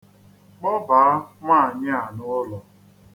Kpọbaa nwaanyị a n'ụlọ.